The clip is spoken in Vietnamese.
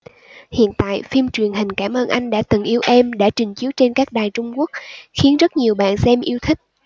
hiện tại phim truyền hình cảm ơn anh đã từng yêu em đã trình chiếu trên các đài trung quốc khiến rất nhiều bạn xem yêu thích